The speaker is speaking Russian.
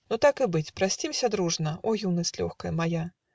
Но так и быть: простимся дружно, О юность легкая моя!